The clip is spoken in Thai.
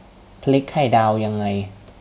พลิกไข่ดาวยังไง